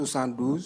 San dun